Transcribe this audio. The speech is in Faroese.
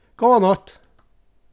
góða nátt